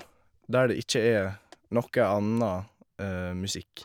Der det ikke er noe anna musikk.